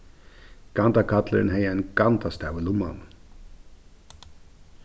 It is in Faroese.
gandakallurin hevði ein gandastav í lummanum